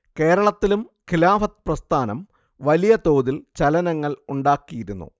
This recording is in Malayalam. കേരളത്തിലും ഖിലാഫത്ത് പ്രസ്ഥാനം വലിയ തോതിൽ ചലനങ്ങൾ ഉണ്ടാക്കിയിരുന്നു